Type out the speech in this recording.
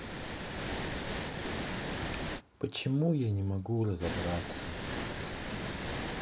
почему я не могу разобраться